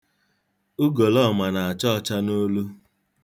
Ugolọọma na-acha ọcha n'olu.